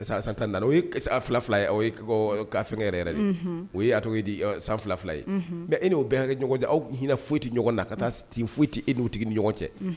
San 14 ye, o ye a fila fila ye, unhun, , o ye ka fɛnkɛ yɛrɛ yɛrɛ de, unhun, o ye a tɔgɔ di, san fila fila ye, unhun mais e n'o bɛɛ ka kɛ ɲɔgnna, aw hinɛ foyi tɛ ɲɔgɔn na ka taa ten foyi tɛ e ni tigi ni ɲɔgɔn cɛ.